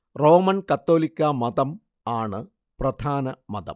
Roman‍ കത്തോലിക്കാ മതം ആണ് പ്രധാന മതം